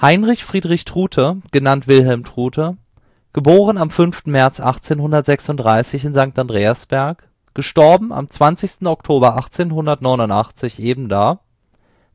Heinrich Friedrich Trute, genannt Wilhelm Trute (* 5. März 1836 in Sankt Andreasberg; † 20. Oktober 1889 ebenda, in älterer Schreibweise Truthe)